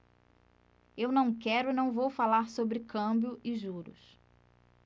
eu não quero e não vou falar sobre câmbio e juros